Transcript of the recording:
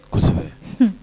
Kosɛbɛ! Un!